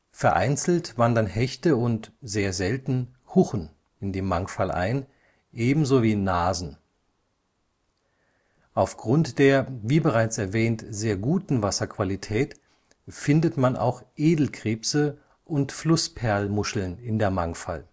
Vereinzelt wandern Hechte und (sehr selten) Huchen (2010 Fang eines Huchens bei Feldkirchen!) in die Mangfall ein, ebenso wie Nasen. Aufgrund der, wie bereits erwähnt, sehr guten Wasserqualität findet man auch Edelkrebse und Flussperlmuscheln in der Mangfall